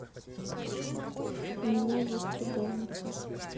у меня есть любовница